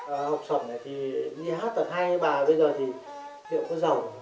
ờ học xẩm này thì nghe hát thật hay bà bây giờ thì liệu có giàu